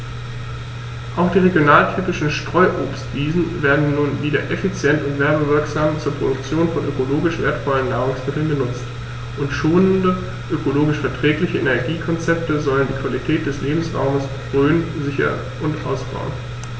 Auch die regionaltypischen Streuobstwiesen werden nun wieder effizient und werbewirksam zur Produktion von ökologisch wertvollen Nahrungsmitteln genutzt, und schonende, ökologisch verträgliche Energiekonzepte sollen die Qualität des Lebensraumes Rhön sichern und ausbauen.